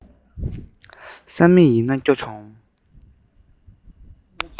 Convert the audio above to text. བསམ མེད ཡིན ན སྐྱོ བྱུང